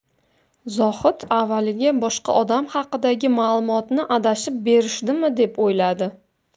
zohid avvaliga boshqa odam haqidagi ma'lumotni adashib berishdimi deb o'yladi